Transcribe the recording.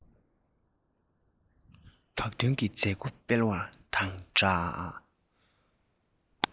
བག སྟོན གྱི མཛད སྒོ སྤེལ བ དང འདྲ